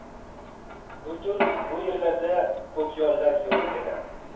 bultur bu yerlarda ko'kyollar yo'q edi